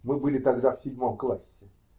Мы были тогда в седьмом классе